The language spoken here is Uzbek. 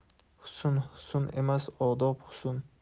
husn husn emas odob husn